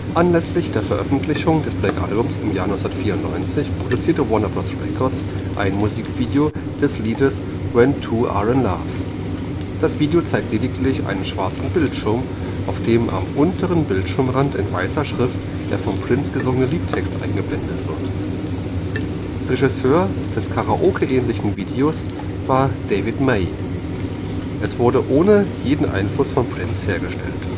Anlässlich der Veröffentlichung des Black Album im Jahr 1994 produzierte Warner Bros. Records ein Musikvideo des Liedes When 2 R in Love. Das Video zeigt lediglich einen schwarzen Bildschirm, auf dem am unteren Bildschirmrand in weißer Schrift der von Prince gesungene Liedtext eingeblendet wird. Regisseur des Karaoke-ähnlichen Videos war David May; es wurde ohne jeden Einfluss von Prince hergestellt